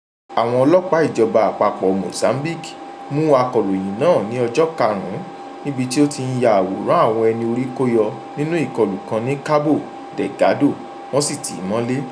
Àwọn ọlọ́pàá ìjọba àpapọ̀ Mozambique mú akọ̀ròyìn náà ní ọjọ́ 5 níbi tí ó ti ń ya àwòrán àwọn ẹni-orí-kó-yọ nínú ìkọlù kan ní Cabo Delgado, wọ́n sì tì í mọ́lé.